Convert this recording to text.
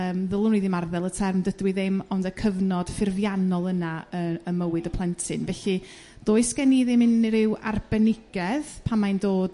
yrm ddylwn i ddim arddel y term dydw i ddim ond y cyfnod ffurfiannol yna yrr ym mywyd y plentyn felly does gen i ddim unrhyw arbenigedd pan mae'n dod